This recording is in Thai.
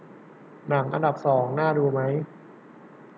หนังอันดับสองน่าดูไหม